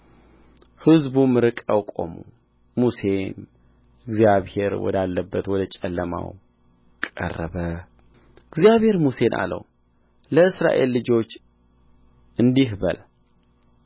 ሕዝቡም ርቀው ቆሙ ሙሴም እግዚአብሔር ወዳለበት ወደ ጨለማው ቀረበ እግዚአብሔር ሙሴን አለው ለእስራኤል ልጆች እንዲህ በል